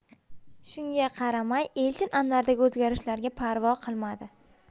shunga qaramay elchin anvardagi o'zgarishlarga parvo qilmadi